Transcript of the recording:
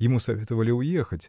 Ему советовали уехать